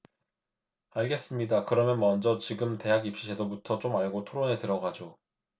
알겠습니다 그러면 먼저 지금 대학입시제도부터 좀 알고 토론에 들어가죠